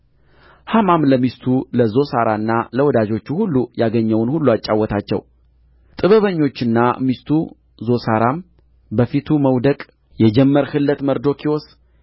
ሐማም ለሚስቱ ለዞሳራና ለወዳጆቹ ሁሉ ያገኘውን ሁሉ አጫወታቸው ጥበበኞቹና ሚስቱ ዞሳራም በፊቱ መውደቅ የጀመርህለት መርዶክዮስ